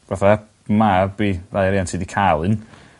Fatha mab fi rhai sy 'di ca'l un